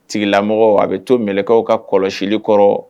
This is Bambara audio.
Sigimɔgɔ a bɛ to mkaw ka kɔlɔsili kɔrɔ